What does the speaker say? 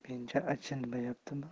menga achinyaptimi